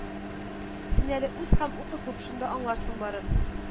Син әле үс һәм укы күп, шунда аңларсың барын